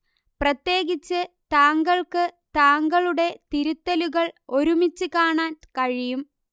പ്രത്യേകിച്ച് താങ്കൾക്ക് താങ്കളുടെ തിരുത്തലുകൾ ഒരുമിച്ച് കാണാൻ കഴിയും